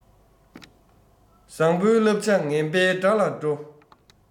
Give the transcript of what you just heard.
བཟང པོའི བསླབ བྱ ངན པའི དགྲ ལ འགྲོ